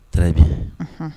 Très bien , unhun.